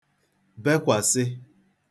bekwasị